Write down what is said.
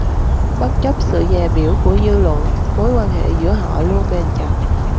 bất chấp sự dè bỉu của dư luận mối quan hệ giữa họ luôn bền chặt